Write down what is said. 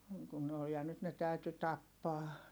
niin kuin ne on ja nyt ne täytyi tappaa